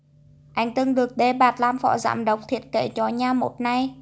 anh từng được đề bạt làm phó giám đốc thiết kế cho nhà mốt này